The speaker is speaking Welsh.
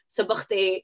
So bo' chdi...